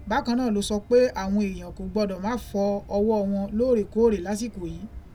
Bákan náà ló sọ pé àwọn èèyàn kò gbọdọ̀ má fọ ọwọ́ wọn lóòrèkóòrè lásìkò yìí.